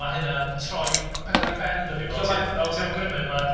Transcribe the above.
Mae hynna'n troi pethau ar ei ben, yn dydi, fel ti'n awgrymu mae'r...